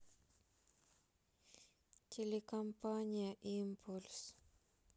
телекомпания импульс